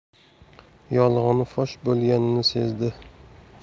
yolg'oni fosh bo'lganini sezdi